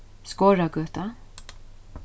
skoragøta